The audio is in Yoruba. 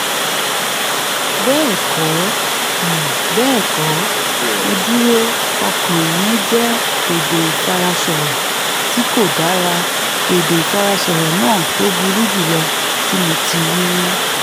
Bẹ́ẹ̀kọ́, uh bẹ́ẹ̀kọ́, Mo dúró ọ̀kan - ìyẹn jẹ́ èdè ìfarasọ̀rọ̀ tí kò dára - èdè ìfarasọ̀rọ̀ náà tó burú jùlọ tí Mo tí ì rírí.''